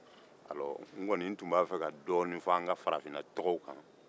n tun b'a fɛ ka dɔɔni fɔ an ka farafinna tɔgɔw kan